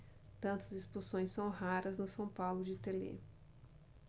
tantas expulsões são raras no são paulo de telê